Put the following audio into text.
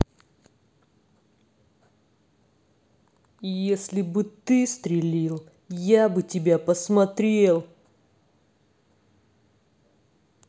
если бы ты стрелил я бы тебя посмотрел